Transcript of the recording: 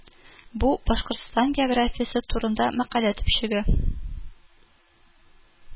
Бу Башкортстан географиясе турында мәкалә төпчеге